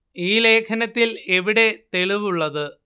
ഈ ലേഖനത്തിൽ എവിടെ തെളിവ് ഉള്ളത്